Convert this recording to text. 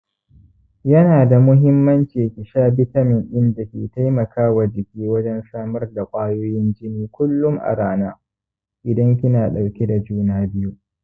yanada muhimmanci kisha bitamin ɗin dake taimakawa jiki wajen samar da kwayoyin jini kullum a rana idan kina ɗauke da juna biyu.